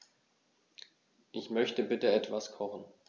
Ich möchte bitte etwas kochen.